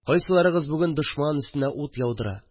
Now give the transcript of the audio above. Кайсыларыгыз бүген дошман өстенә ут яудыра